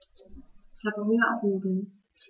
Ich habe Hunger auf Nudeln.